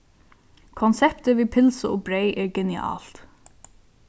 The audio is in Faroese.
konseptið við pylsu og breyð er genialt